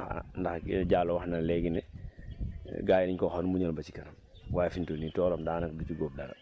waaw ndax ah ndax diallo wax na la léegi ne gaa yi dañ ko waxoon muñal ba si kanam waaye fim toll nii toolam daanaka du ci góob dara